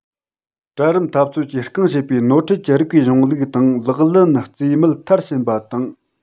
གྲལ རིམ འཐབ རྩོད ཀྱིས རྐང བྱེད པའི ནོར འཁྲུལ གྱི རིགས པའི གཞུང ལུགས དང ལག ལེན རྩིས མེད མཐར ཕྱིན པ བཏང